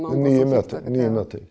mye mye møter.